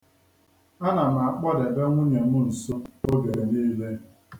A na m akpọdebe nwunye m nso oge niile.